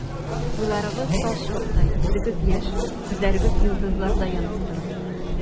Буйларыгыз талчыбыктай, үзегез яшь, күзләрегез йолдызлардай янып тора.